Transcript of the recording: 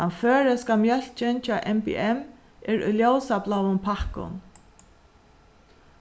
tann føroyska mjólkin hjá mbm er í ljósabláum pakkum